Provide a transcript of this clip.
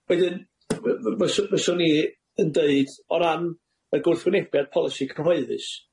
Wedyn fy- fy- fysw- fyswn i yn deud o ran y gwrthwynebiad polisi cyhoeddus,